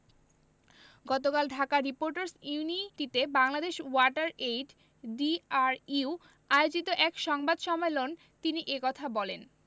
গতকাল ঢাকা রিপোর্টার্স ইউনিটিতে DRU Water Aid Bangladesh আয়োজিত এক সংবাদ সম্মেলন তিনি এ কথা বলেন